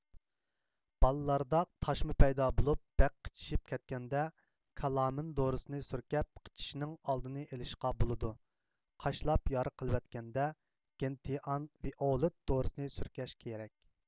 بالىلاردا تاشما پەيدا بولۇپ بەك قىچىشىپ كەتكەندە كالامىن دورىسىنى سۈركەپ قىچىشىشنىڭ ئالدىنى ئېلىشقا بولىدۇ قاشلاپ يارا قىلىۋەتكەندە گېنتىئان ۋىئولېت دورىسنى سۈركەش كېرەك